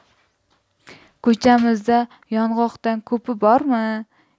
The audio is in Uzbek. ko'chamizda yong'oqdan ko'pi bormi